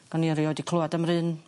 Ac o'n i erioed 'di clwad am yr un...